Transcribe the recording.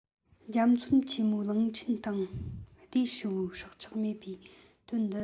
རྒྱ མཚོ ཆེན མོའི གླིང ཕྲན སྟེང སྡེ ཧྲིལ བོའི སྲོག ཆགས མེད པའི དོན འདིར